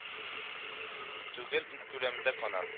Түгел ил күләмендә канат